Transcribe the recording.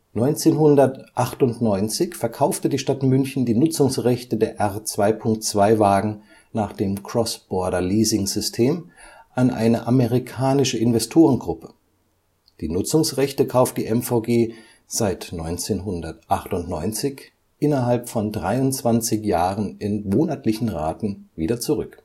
1998 verkaufte die Stadt München die Nutzungsrechte der R 2.2-Wagen nach dem Cross-Border-Leasing-System an eine amerikanische Investorengruppe. Die Nutzungsrechte kauft die MVG seit 1998 innerhalb von 23 Jahren in monatlichen Raten wieder zurück